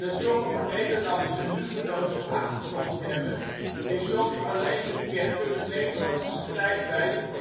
sommige Nederlanders een hugenootse achtergrond hebben, is soms alleen bekend door de Nederlandse schrijfwijze